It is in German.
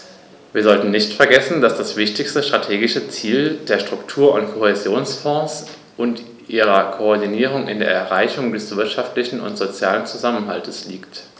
Wir sollten nicht vergessen, dass das wichtigste strategische Ziel der Struktur- und Kohäsionsfonds und ihrer Koordinierung in der Erreichung des wirtschaftlichen und sozialen Zusammenhalts liegt.